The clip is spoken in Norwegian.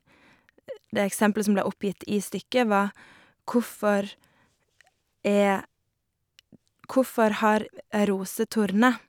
Det eksempelet som ble oppgitt i stykket, var hvorfor er hvorfor har roser torner?